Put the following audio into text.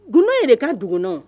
Gun yɛrɛ de ka duguugunna